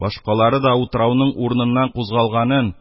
Башкалары да утрауның урыныннан кузгалганын,